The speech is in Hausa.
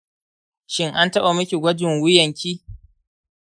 shin an taba miki gwajin wuyanki?